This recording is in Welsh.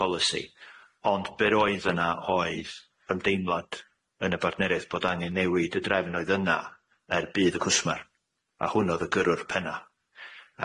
polisi ond be' roedd yna oedd ymdeimlad yn y bartneriaeth bod angen newid y drefn oedd yna er budd y cwsmer a hwn o'dd y gyrrwr penna,